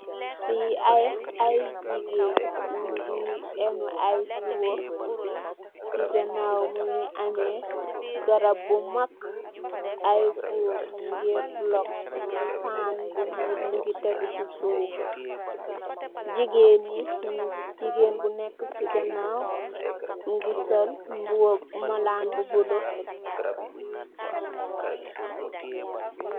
Fii aye jigeen, nyungi enu aye siwoo, si ganaaw mungi ame garap bu mak, aye goor nyungee bulok, paan bu nyuul mungi tegu si suuf, jigeen bu nek si ganaaw, mungi sol malaan bu buleuh.